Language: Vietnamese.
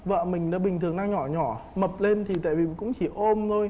vợ mình là bình thường đang nhỏ nhỏ mập lên thì tại vì cũng chỉ ôm thôi